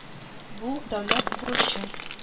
Бу - дәүләт бурычы